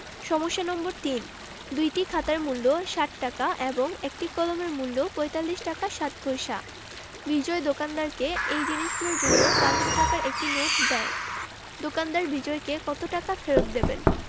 ৩ দুইটি খাতার মূল্য ৬০ টাকা এবং একটি কলমের মূল্য ৪৫ টাকা ৬০ পয়সা বিজয় দোকানদারকে এই জিনিসগুলোর জন্য ৫০০ টাকার একটি নোট দেয় দোকানদার বিজয়কে কত টাকা ফেরত দেবেন